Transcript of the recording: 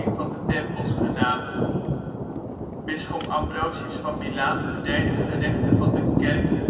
van de tempels genaamd. Bisschop Ambrosius van Milaan verdedigt de rechten van de Kerk